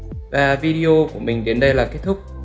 và video của mình đến đây là kết thúc